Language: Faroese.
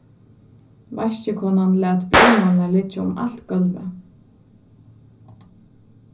vaskikonan læt breyðmolar liggja um alt gólvið